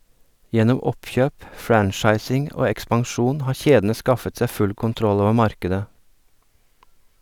Gjennom oppkjøp, franchising og ekspansjon har kjedene skaffet seg full kontroll over markedet.